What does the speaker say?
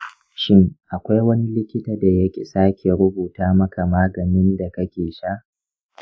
shin akwai wani likita da yaƙi sake rubuta muka maganin da kake sha?